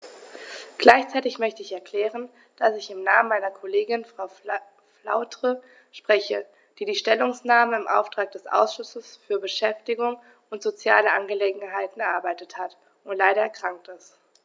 Gleichzeitig möchte ich erklären, dass ich im Namen meiner Kollegin Frau Flautre spreche, die die Stellungnahme im Auftrag des Ausschusses für Beschäftigung und soziale Angelegenheiten erarbeitet hat und leider erkrankt ist.